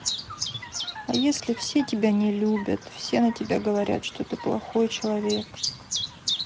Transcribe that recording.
а если все тебя не любят все на тебя говорят что ты плохой человек